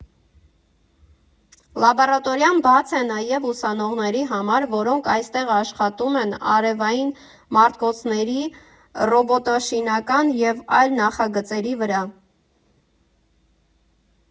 Լաբորատորիան բաց է նաև ուսանողների համար, որոնք այստեղ աշխատում են արևային մարտկոցների, ռոբոտաշինական և այլ նախագծերի վրա։